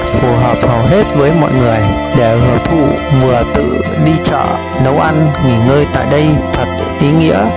phù hợp hầu hết với mọi người để hưởng thụ vừa tự đi chợ nấu ăn nghỉ ngơi tại đây thật ý nghĩa